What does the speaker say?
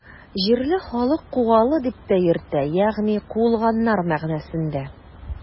Җирле халык Кугалы дип тә йөртә, ягъни “куылганнар” мәгънәсендә.